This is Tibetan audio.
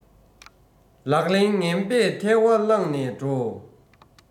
ལག ལེན ངན པས ཐལ བ བསླངས ནས འགྲོ